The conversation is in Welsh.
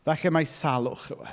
Falle mai salwch yw e.